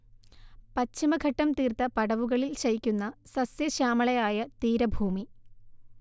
പശ്ചിമഘട്ടം തീർത്ത പടവുകളിൽ ശയിക്കുന്ന സസ്യ ശ്യാമളയായ തീരഭൂമി